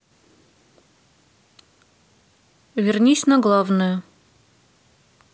вернись на главную